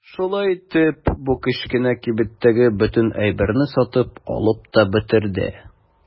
Шулай итеп бу кечкенә кибеттәге бөтен әйберне сатып алып та бетерде.